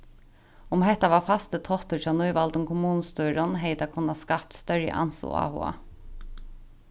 um hetta varð fastur táttur hjá nývaldum kommunustýrum hevði tað kunnað skapt størri ans og áhuga